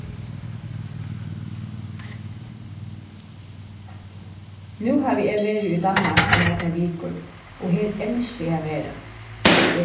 nú havi eg verið í danmark í nakrar vikur og her elski eg at vera